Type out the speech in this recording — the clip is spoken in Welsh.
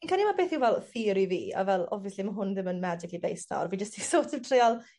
Fi'n credu ma' beth yw fel theori fi a fel obviously ma' hwn ddim yn magically based nawr fi jyst 'di sort of treial